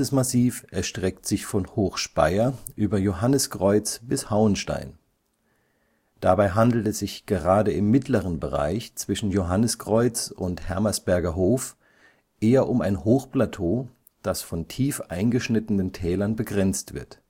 Massiv erstreckt sich von Hochspeyer über Johanniskreuz bis Hauenstein. Dabei handelt es sich gerade im mittleren Bereich zwischen Johanniskreuz und Hermersbergerhof eher um ein Hochplateau, das von tief eingeschnittenen Tälern begrenzt wird